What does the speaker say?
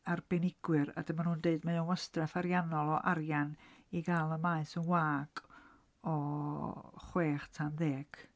Arbennigwyr a dyma nhw'n deud "Mae o'n wastraff ariannol o arian i gael y maes yn wag o chwech tan ddeg."